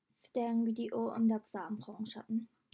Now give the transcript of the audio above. แสดงวิดีโออันดับสามของฉัน